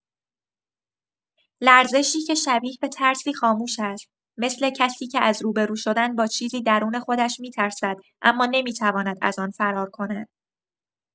لرزشی که شبیه به ترسی خاموش است، مثل کسی که از روبه‌رو شدن با چیزی درون خودش می‌ترسد اما نمی‌تواند از آن فرار کند.